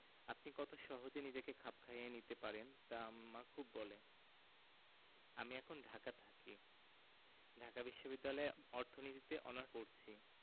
আপনি কত সহজে নিজেকে খাপ খাইয়ে নিতে পারেন তা আম্মা খুব বলে আমি এখন ঢাকা থাকি ঢাকা বিশ্ববিদ্যালয়ে অর্থনীতিতে অনার্স পরছি